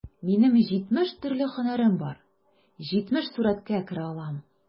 Минем җитмеш төрле һөнәрем бар, җитмеш сурәткә керә алам...